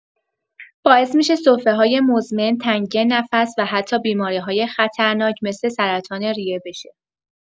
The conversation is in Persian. باعث می‌شه سرفه‌های مزمن، تنگی نفس و حتی بیماری‌های خطرناک مثل سرطان ریه بشه.